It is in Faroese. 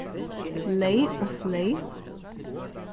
leyg og fleyg